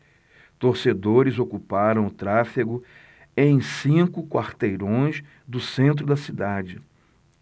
torcedores ocuparam o tráfego em cinco quarteirões do centro da cidade